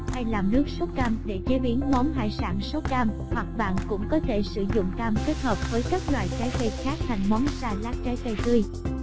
hay làm nước sốt cam để chế biến món hải sản sốt cam hoặc bạn cũng có thể sử dụng cam kết hợp với các loại trái cây khác thành món salat trái cây tươi